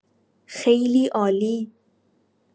خیلی عالی!